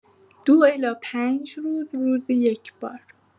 ۲ الی ۵ روز، روزی یک‌بار